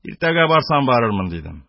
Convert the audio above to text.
Иртәгә барсам барырмын! - дидем.